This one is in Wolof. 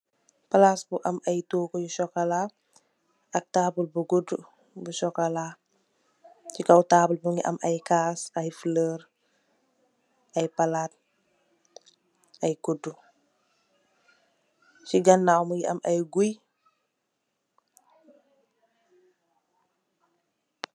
palasbu am ayi togo yu sokola, ak taable bu gudu bu sokola ci kaw taable mingi am ayi kass ayi florr ayi palat ayi kudu ci ganaaw mingi am ayi guyyii.